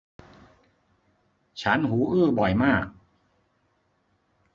ฉันหูอื้อบ่อยมาก